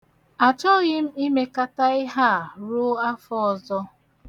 Achọghị m imekata ihe a ruo afọ ọzọ.